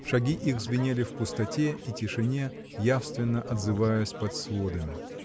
шаги их звенели в пустоте и тишине, явственно отзываясь под сводами.